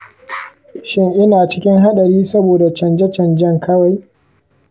shin ina cikin haɗari saboda canjen-canjen ƙwai?